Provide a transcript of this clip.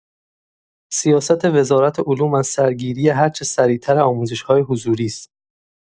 سیاست وزارت علوم از سرگیری هرچه سریع‌تر آموزش‌های حضوری است.